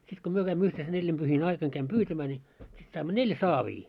sitten kun me kävimme yhteen se neljäpyhien aikana kävin pyytämään niin sitten saimme neljä saavia